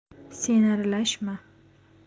sen aralashma